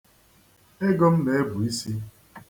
Ego m na-ebu isi.